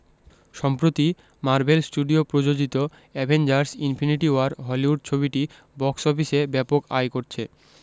সম্প্রতি Marvel studio প্রযোজিত Avengers infinity war Hollywood ছবিটি বক্স অফিসে ব্যাপক আয় করছে